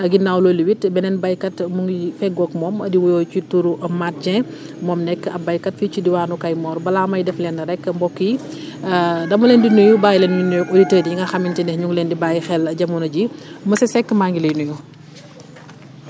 ginnaaw loolu it beneen béykat mu ngi feggoog moom di wuyoo ci turu Mate Dieng moom nekk ab béykat fii ci diwaanu Kayemor balaa may def lenn rek mbokk yi dama leen di nuyu bàyyi leen ñu nuyoog auditeurs yi nga xamante ne ñ ngi leen di bàyyi xel jamono jii monsieur Seck maa ngi lay nuyu